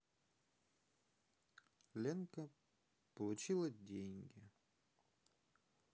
ленка получила деньги